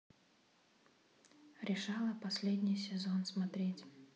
решала последний сезон смотреть